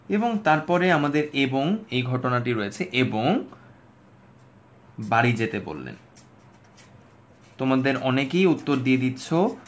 এবং তারপর আমাদের এবং ঘটনাটি রয়েছে বাড়ি যেতে বললেন তোমাদের অনেকেই উত্তর দিয়ে দিচ্ছ